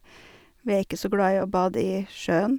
Vi er ikke så glad i å bade i sjøen.